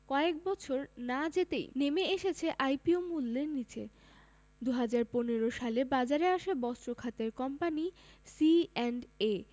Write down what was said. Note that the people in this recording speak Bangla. কয়েক বছর না যেতেই নেমে এসেছে আইপিও মূল্যের নিচে ২০১৫ সালে বাজারে আসে বস্ত্র খাতের কোম্পানি সিঅ্যান্ডএ